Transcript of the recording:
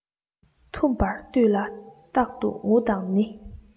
ཐུམ པར བཏུས ལ རྟག ཏུ ངུ དང ནི